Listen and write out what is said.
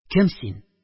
Кем син